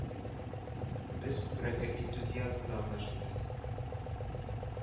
Без күбрәге энтузиазмда гына эшлибез